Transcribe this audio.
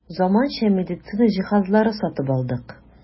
Заманча медицина җиһазлары сатып алдык.